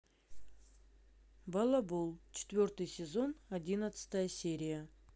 балабол четвертый сезон одиннадцатая серия